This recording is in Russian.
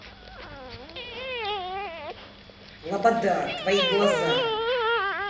loboda твои глаза